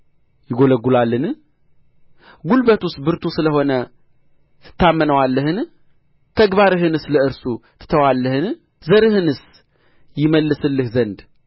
ይጐለጕላልን ጕልበቱስ ብርቱ ስለ ሆነ ትታመነዋለህን ተግባርህንስ ለእርሱ ትተዋለህን ዘርህንስ ይመልስልህ ዘንድ